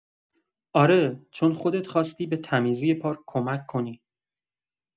آره، چون خودت خواستی به تمیزی پارک کمک کنی.